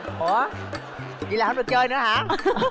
ủa vậy là hông được chơi nữa hả